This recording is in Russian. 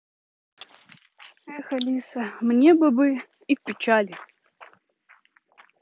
эх алиса мне бы бы и в печали